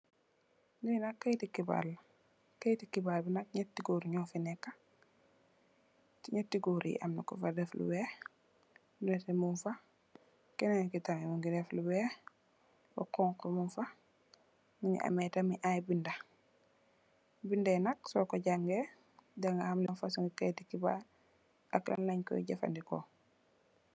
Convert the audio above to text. Liinak kaiiti xibarr la kaiiti xibarr bi nak nyatti gorr ñofi neka nyatti gorr yi Amna kufa deff lu wekh lu netteh mungfa kenen ki tamit mungi deff lu wekh lu xonxu mungfa mungi ameh tam ayy binda binda yii nak soko jangeh dinga ham lii ban fasongi kaiiti xibarr la ak lan lenko jefandiko.